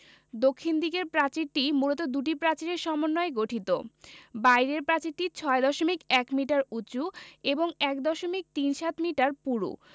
দক্ষিণ দিকের প্রাচীরটি মূলত দুটি প্রাচীরের সমন্বয়ে গঠিত বাইরের প্রাচীরটি ৬দশমিক ১ মিটার উঁচু এবং ১দশমিক তিন সাত মিটার পুরু